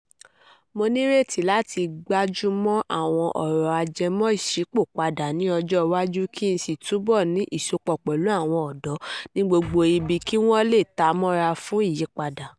Mo ní ìrètí láti gbájú mọ́ àwọn ọ̀rọ̀ ajẹmọ́-ìṣípòpadà ní ọjọ́ iwájú kí n sì túbọ̀ ní ìsopọ̀ pẹ̀lú àwọn ọ̀dọ́ ní gbogbo ibi kí wọ́n lè ta mọ́ra fún ìyípadà.